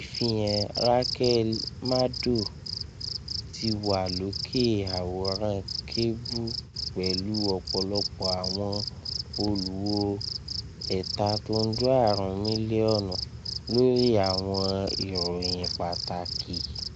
"Iṣafihan Rakeli Maddow" ti wa loke aworan kebu pẹlu ọpọlọpọ awọn oluwo 3.5 million lori awọn iroyin pataki.